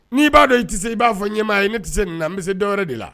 N'i b'a dɔn i tɛ se i b'a fɔ ɲɛmaa ye ne tɛ se nin na n bɛ se dɔwɛrɛ de la